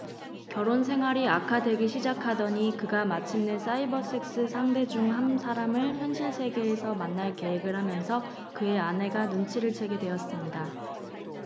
결혼 생활이 악화되기 시작하더니 그가 마침내 사이버섹스 상대 중 한 사람을 현실 세계에서 만날 계획을 하면서 그의 아내가 눈치를 채게 되었습니다